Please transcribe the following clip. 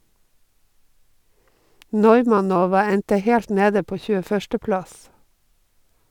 Neumannova endte helt nede på 21. plass.